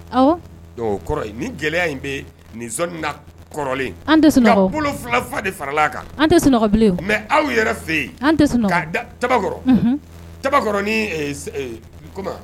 Ni gɛlɛya bɛ nin na an tɛ fa de fara kan tɛ mɛ aw yɛrɛ fɛ yen cɛbaɔrɔn kuma